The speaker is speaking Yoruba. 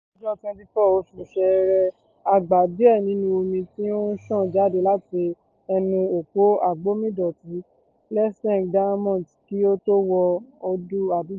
Ní ọjọ́ 24 oṣù Ṣẹ́ẹ́rẹ́, a gba díẹ̀ nínú omi tí ó ń ṣàn jáde láti ẹnu òpó agbómiìdọ̀tí Letšeng Diamonds kí ó tó wọ odò àdúgbò.